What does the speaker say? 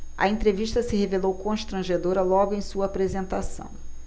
a entrevista se revelou constrangedora logo em sua apresentação